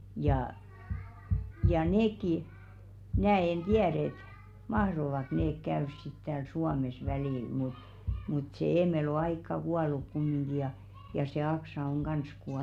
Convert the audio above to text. ja ja nekin minä en tiedä että mahtoivatko ne käydä sitten täällä Suomessa välillä mutta mutta se Eemeli on aikaa kuollut kumminkin ja ja se Aksa on kanssa kuollut